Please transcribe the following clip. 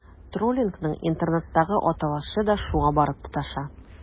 Троллингның интернеттагы аталышы да шуңа барып тоташа.